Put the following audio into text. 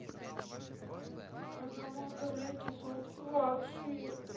одному на таблетки сутки вообще